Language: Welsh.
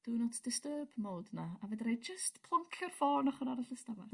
do not disturb mode 'ma a fedra i jyst ploncio'r ffôn ochor arall y stafall.